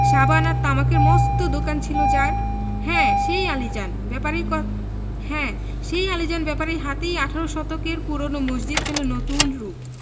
সাবান আর তামাকের মস্ত দোকান ছিল যার হ্যাঁ সেই আলীজান ব্যাপারীর হ্যাঁ সেই আলীজান ব্যাপারীর হাতেই আঠারো শতকের পুরোনো মসজিদ পেলো নতুন রুপ